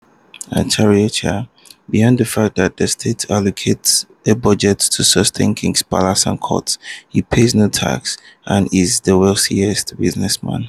@charquaoia: Beyond the fact that state allocates a budget to sustain king's palaces & courts, he pays no taxes, and is the wealthiest businessman.